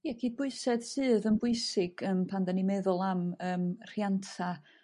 Ie cydbwysedd syrdd yn bwysig yym pan 'dan ni'n meddwl am yym rhianta